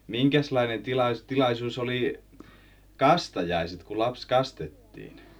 minkäslainen - tilaisuus oli kastajaiset kun lapsi kastettiin